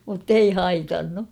mutta ei haitannut